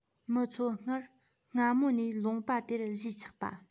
མི ཚོ སྔར སྔ མོ ནས ལུང པ དེར གཞིས ཆགས པ